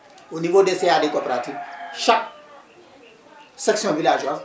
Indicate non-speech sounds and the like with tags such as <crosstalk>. au niveau des CA des coopératives <noise> chaque section villageoise